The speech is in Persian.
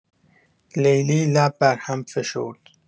لیلی لب بر هم فشرد.